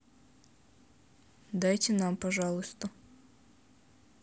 дайте нам пожалуйста